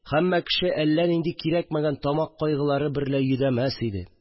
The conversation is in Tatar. Һәммә кеше әллә нинди кирәкмәгән тамак кайгылары берлә йөдәмәс иде